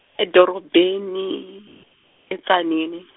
edorobeni e Tzaneen.